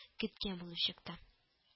Көткән булып чыкты